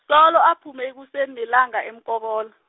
solo aphume ekuseni nelanga eMkobola.